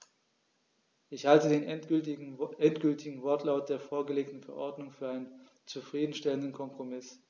Ich halte den endgültigen Wortlaut der vorgelegten Verordnung für einen zufrieden stellenden Kompromiss.